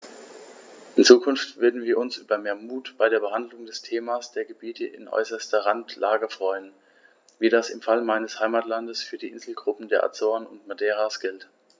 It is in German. In Zukunft würden wir uns über mehr Mut bei der Behandlung des Themas der Gebiete in äußerster Randlage freuen, wie das im Fall meines Heimatlandes für die Inselgruppen der Azoren und Madeiras gilt.